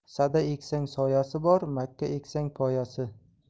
sada eksang soyasi bor makka eksang poyasi